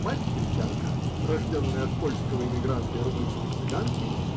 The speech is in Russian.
мать -- гречанка, рожденная от польского эмигранта и румынской цыганки